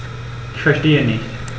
Ich verstehe nicht.